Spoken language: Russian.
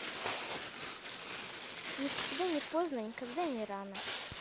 никогда не поздно никогда не рано